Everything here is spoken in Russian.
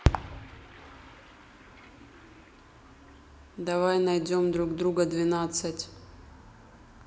давай найдем друг друга двенадцать